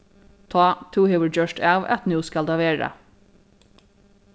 tá tú hevur gjørt av at nú skal tað vera